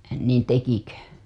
niin tekikö